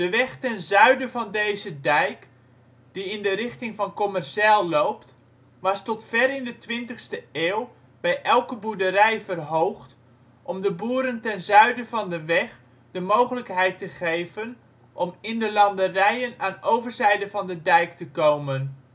weg ten zuiden van deze dijk, die in de richting van Kommerzijl loopt, was tot ver in de 20e eeuw bij elke boerderij verhoogd om de boeren ten zuiden van de weg de mogelijkheid te geven om in de landerijen aan overzijde van de dijk te komen